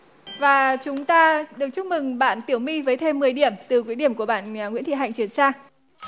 và chúng ta được chúc mừng bạn tiểu my với thêm mười điểm từ quỹ điểm của bạn nguyễn thị hạnh chuyển sang